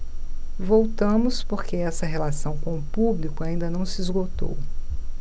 voltamos porque essa relação com o público ainda não se esgotou